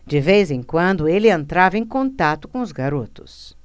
de vez em quando ele entrava em contato com os garotos